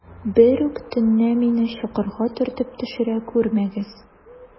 Берүк төнлә мине чокырга төртеп төшерә күрмәгез.